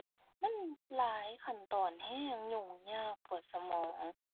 มันหลายขั้นตอนแรง ยุ่งยาก ปวดสมอง